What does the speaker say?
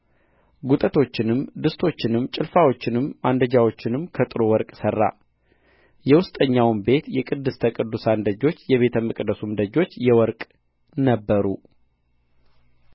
ጕጦቹንም ድስቶቹንም ጭልፋዎቹንም ማንደጃዎቹንም ከጥሩ ወርቅ ሠራ የውስጠኛውም ቤት የቅድስተ ቅዱሳን ደጆች የቤተ መቅደሱም ደጆች የወርቅ ነበሩ